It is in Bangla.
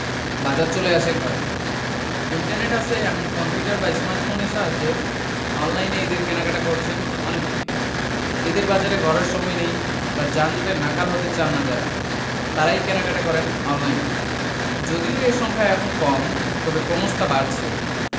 বাজার চলে আসে ঘরে ইন্টারনেট আছে এমন কম্পিউটার বা স্মার্টফোনের সাহায্যে অনলাইনে ঈদের কেনাকাটা করছেন অনেকে ঈদের বাজারে ঘোরার সময় নেই বা যানজটে নাকাল হতে চান না যাঁরা তাঁরাই কেনাকাটা করেন অনলাইনে যদিও এ সংখ্যা এখনো কম তবে ক্রমশ তা বাড়ছে